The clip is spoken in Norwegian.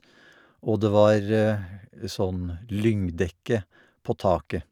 Og det var sånn lyngdekke på taket.